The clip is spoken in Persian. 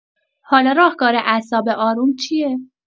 حالا راهکار اعصاب آروم چیه؟